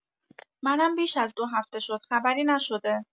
منم بیش از دو هفته شد خبری نشده